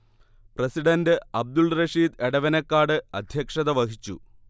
president Abdul Rasheed Edavanakkad അധ്യക്ഷത വഹിച്ചു